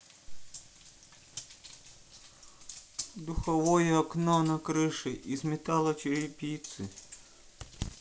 духовое окно на крыше из металлочерепицы